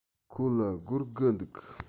ཁོ ལ སྒོར དགུ འདུག